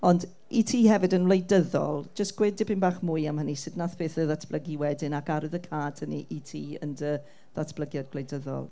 Ond i ti hefyd yn wleidyddol, jyst gweud dipyn bach mwy am hynny. Sut wnaeth pethau ddatblygu wedyn ac arwyddocad hynny i ti yn dy ddatblygiad gwleidyddol?